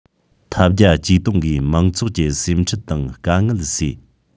ཐབས བརྒྱ ཇུས སྟོང གིས མང ཚོགས ཀྱི སེམས ཁྲལ དང དཀའ ངལ སེལ